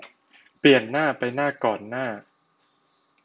เปลี่ยนหน้าไปหน้าก่อนหน้า